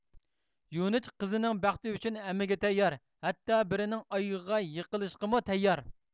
يۇنىج قىزىنىڭ بەختى ئۈچۈن ھەممىگە تەييار ھەتتا بىرىنىڭ ئايىغىغا يىقىلىشقىمۇ تەييار